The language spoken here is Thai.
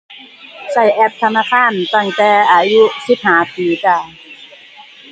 ใช้แอปธนาคารตั้งแต่อายุสิบห้าปีจ้า